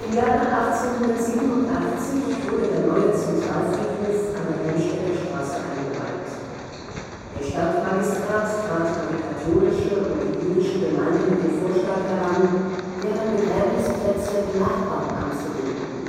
Jahre 1887 wurde der neue Centralfriedhof an der Helmstedter Straße eingeweiht. Der Stadtmagistrat trat an die katholische und die Jüdische Gemeinde mit dem Vorschlag heran, deren Begräbnisplätze benachbart anzubinden